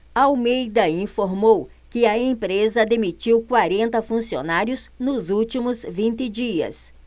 almeida informou que a empresa demitiu quarenta funcionários nos últimos vinte dias